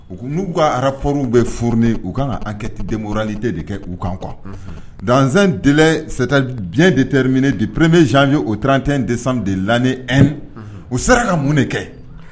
U ko n'u ka rapport bɛ fourni u ka kan ka enquête moralité de kɛ u kan quoi dans un délais c'est dire bien déterminé de premier janvier au 31 décembre c'est à dire de l'année 1 u sera ka mun de kɛ.